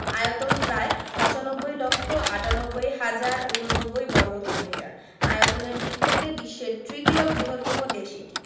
আয়তন প্রায় ৯৫ লক্ষ ৯৮ হাজার ৮৯ বর্গকিলোমিটার আয়তনের দিক থেকে বিশ্বের তৃতীয় বৃহত্তম দেশ এটি